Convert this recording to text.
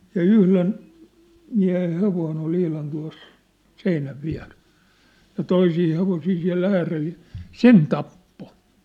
ja yhden miehen hevonen oli ihan tuossa seinän vieressä ja toisia hevosia siellä äärellä ja sen tappoi